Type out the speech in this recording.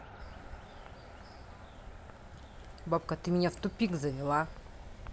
бабка ты меня в тупик завела